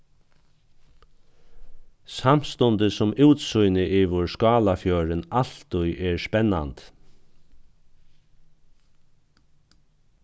samstundis sum útsýnið yvir skálafjørðin altíð er spennandi